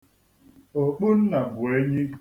òkpunnàbụ̀enyi